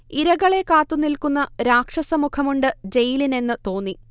ഇരകളെ കാത്തുനിൽക്കുന്ന രാക്ഷസ മുഖമുണ്ട് ജയിലിനെന്ന് തോന്നി